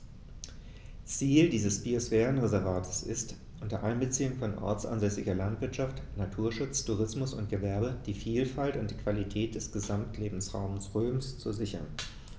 Ziel dieses Biosphärenreservates ist, unter Einbeziehung von ortsansässiger Landwirtschaft, Naturschutz, Tourismus und Gewerbe die Vielfalt und die Qualität des Gesamtlebensraumes Rhön zu sichern.